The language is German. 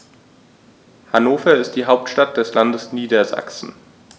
Hannover ist die Hauptstadt des Landes Niedersachsen.